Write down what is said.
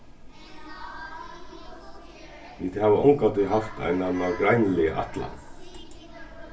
vit hava ongantíð havt eina nágreiniliga ætlan